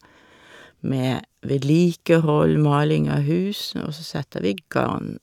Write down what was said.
Med vedlikehold, maling av hus, og så setter vi garn.